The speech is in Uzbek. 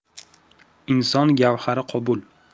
inson gavhari qobul